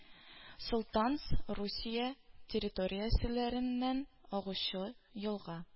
Солтанс Русия территорияселәреннән агучы елга